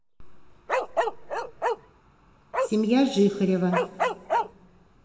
семья жихарева